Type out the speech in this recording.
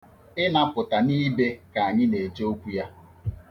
Inapụta n'ibe ka anyị na-eje okwu ya.